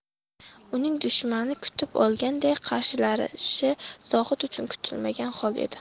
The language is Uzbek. uning dushmanni kutib olganday qarshilashi zohid uchun kutilmagan hol edi